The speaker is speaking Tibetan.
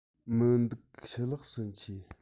མི འདུག ཕྱི ལོགས སུ མཆིས